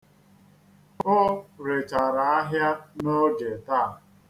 O rechara ahịa n'oge taa.